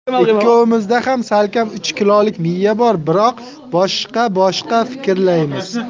ikkovimizda ham salkam uch kilolik miya bor biroq boshqaboshqa fikrlaymiz